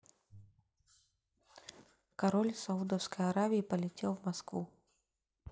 король саудовской аравии полетел в москву